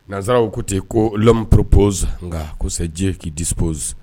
Nanzsaraww kote ko mmupurpo nka kosɛbɛji k'i dipoz